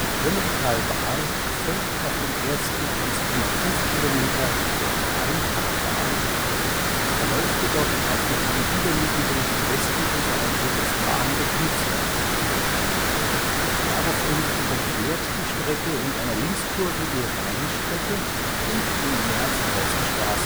Höllentalbahn folgt auf den ersten 1,5 Kilometer der Rheintalbahn, sie verläuft jedoch auf der gegenüberliegenden westlichen Seite des Bahnbetriebswerks. Daraufhin überquert die Strecke in einer Linkskurve die Rheinstrecke und die Merzhauser Straße